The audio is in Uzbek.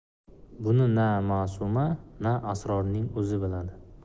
buni na ma'suma na asrorning o'zi biladi